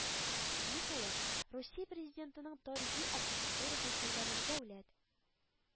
Ниһаять, Русия Президентының тарихи архитектура һәйкәлләрен дәүләт